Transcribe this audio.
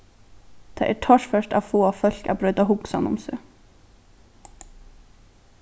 tað er torført at fáa fólk at broyta hugsan um seg